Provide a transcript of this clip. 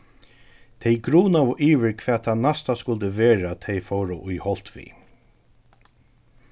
tey grunaðu yvir hvat tað næsta skuldi vera tey fóru í holt við